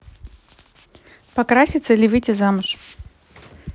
покраситься или выйти замуж